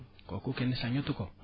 kooku kenn sañatu ko